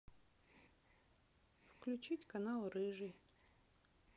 включить канал рыжий